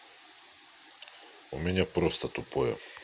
у меня просто тупое